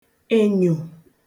ènyò